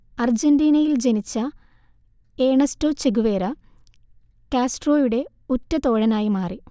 അർജന്റീനയിൽ ജനിച്ച Ernesto Che Guevara, കാസ്ട്രോയുടെ ഉറ്റതോഴനായി മാറി